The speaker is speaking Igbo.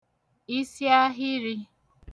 isiahịrị̄